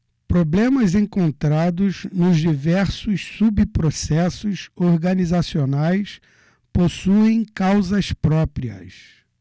problemas encontrados nos diversos subprocessos organizacionais possuem causas próprias